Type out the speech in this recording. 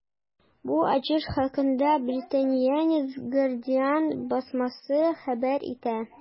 Бу ачыш хакында Британиянең “Гардиан” басмасы хәбәр итә.